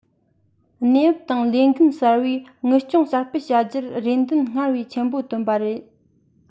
གནས བབ དང ལས འགན གསར པས དབུལ སྐྱོར གསར སྤེལ བྱ རྒྱུར རེ འདུན སྔར བས ཆེན པོ བཏོན པ རེད